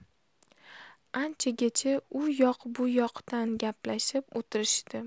anchagacha u yoq bu yoqdan gaplashib o'tirishdi